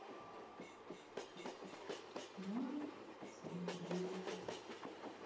марк сергеев